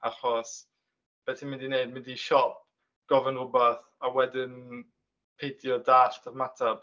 Achos be ti'n mynd i wneud, mynd i siop gofyn rwbath, a wedyn peidio dallt yr ymateb?